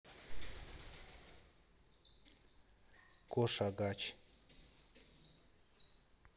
кош агач